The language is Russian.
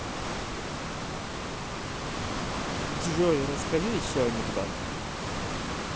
джой расскажи еще анекдот